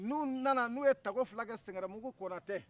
n'u nana n'u ye tako fila kɛ